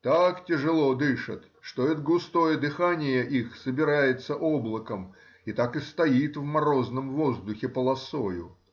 Так тяжело дышат, что это густое дыхание их собирается облаком и так и стоит в морозном воздухе полосою.